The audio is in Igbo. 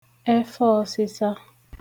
efọọ̀sịsa